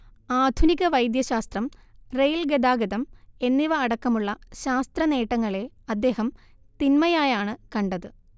ആധുനിക വൈദ്യശാസ്ത്രം റെയിൽ ഗതാഗതം എന്നിവ അടക്കമുള്ള ശാസ്ത്രനേട്ടങ്ങളെ അദ്ദേഹം തിന്മയായാണ് കണ്ടത്